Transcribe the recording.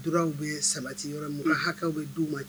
Droit wu bɛ sabati yɔrɔ mi, hakɛw bɛ d'u ma yen